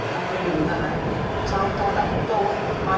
hai em đừng ngại cha ông ta có câu ấy bán